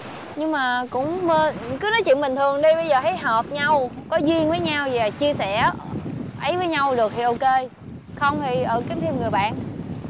nhưng mà cũng cứ nói chuyện bình thường đi bây giờ thấy hợp nhau có duyên với nhau và chia sẻ ấy với nhau được thì ô kê không thì ừ kiếm thêm một người bạn